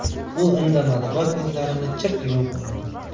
u indamadi va ko'zlarini chirt yumib oldi